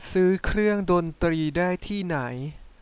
ซื้อเครื่องดนตรีได้ที่ไหน